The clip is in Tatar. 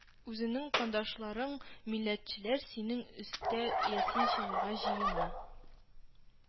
Үзеңнең кандашларың, милләтчеләр синең өстә ясин чыгарга җыена